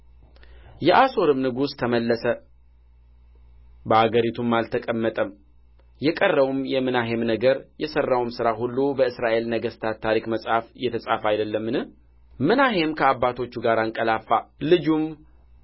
የአሦርም ንጉሥ ተመለሰ በአገሪቱም አልተቀመጠም የቀረውም የምናሔም ነገር የሠራውም ሥራ ሁሉ በእስራኤል ነገሥታት ታሪክ መጽሐፍ የተጻፈ አይደለምን ምናሔም ከአባቶቹ ጋር አንቀላፋ ልጁም